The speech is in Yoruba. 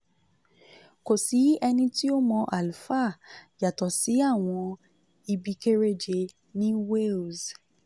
"Kò sí ẹni tí ó mọ Alffa yàtọ̀ sí àwọn ibi kéréje ní Wales.